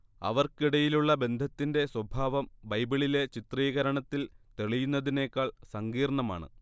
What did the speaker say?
അവർക്കിടയിലുള്ള ബന്ധത്തിന്റെ സ്വഭാവം ബൈബിളിലെ ചിത്രീകരണത്തിൽ തെളിയുന്നതിനേക്കാൾ സങ്കീർണ്ണമാണ്